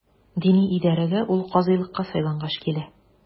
Дини идарәгә ул казыйлыкка сайлангач килә.